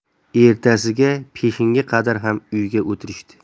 ertasiga peshinga qadar ham uyda o'tirishdi